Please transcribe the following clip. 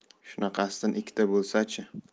shunaqasidan ikkita bo'lsa chi